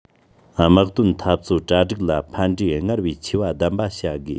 དམག དོན འཐབ རྩོད གྲ སྒྲིག ལ ཕན འབྲས སྔར བས ཆེ བ ལྡན པ བྱ དགོས